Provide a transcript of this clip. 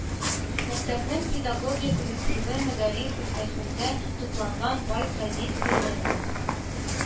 Мәктәпнең педагогия коллективы мәгариф өлкәсендә тупланган бай традицияләрне